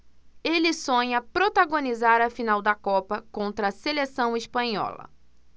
ele sonha protagonizar a final da copa contra a seleção espanhola